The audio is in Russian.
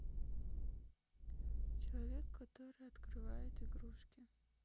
человек который открывает игрушки